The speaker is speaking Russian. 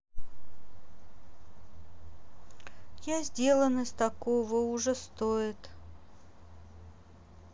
я сделан из такого уже стоит